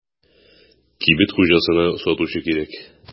Кибет хуҗасына сатучы кирәк.